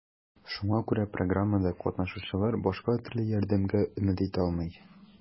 Шуңа күрә программада катнашучылар башка төрле ярдәмгә өмет итә алмый.